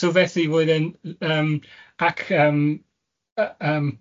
So, felly, roedd e'n yym ac yym yy yym.